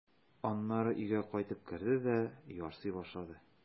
Аннары өйгә кайтып керде дә ярсый башлады.